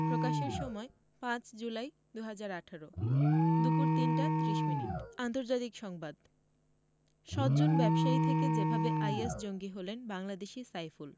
প্রকাশের সময় ৫ জুলাই ২০১৮ দুপুর ৩টা ৩০ মিনিট আন্তর্জাতিক সংবাদ সজ্জন ব্যবসায়ী থেকে যেভাবে আইএস জঙ্গি হলেন বাংলাদেশি সাইফুল